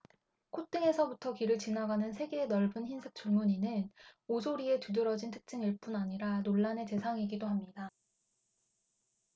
콧등에서부터 귀를 지나는 세 개의 넓은 흰색 줄무늬는 오소리의 두드러진 특징일 뿐 아니라 논란의 대상이기도 합니다